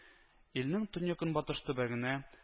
Илнең төньяк-көнбатыш төбәгенә